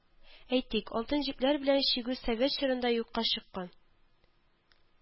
Әйтик, алтын җепләр белән чигү совет чорында юкка чыккан